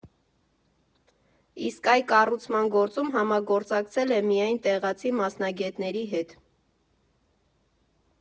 Իսկ այ կառուցման գործում համագործակցել է միայն տեղացի մասնագետների հետ։